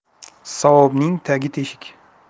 savobning tagi teshik